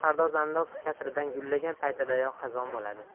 pardoz andoz kasridan gullagan paytidayoq xazon bo'ladi